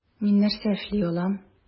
Мин нәрсә эшли алам?